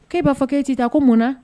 E b'a fɔ k'e ci ta ko mun na